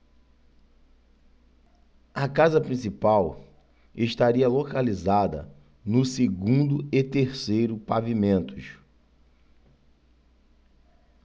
a casa principal estaria localizada no segundo e terceiro pavimentos